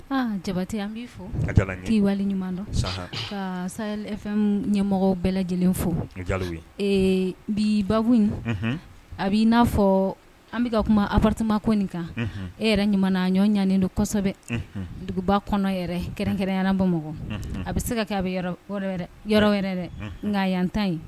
Jaba yan b'i fɔ kawale ɲuman dɔn sa fɛn ɲɛmɔgɔ bɛɛ lajɛlen fo bi ba in a bɛi n'a fɔ an bɛka ka kuma artama ko nin kan e yɛrɛ ɲuman ɲɔ ɲnen don kɔsɔ kosɛbɛ duguba kɔnɔ yɛrɛ kɛrɛnkɛrɛnyaraana bamakɔ a bɛ se ka kɛ a bɛ yɔrɔ yɔrɔ yɛrɛ dɛ nka a yan tan ye